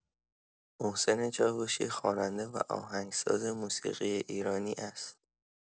محسن چاوشی خواننده و آهنگساز موسیقی ایرانی است.